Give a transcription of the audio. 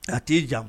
A t'i jan